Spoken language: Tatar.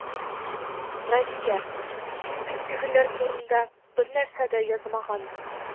Разия, син бит тегеләр турында бернәрсә дә язмагансың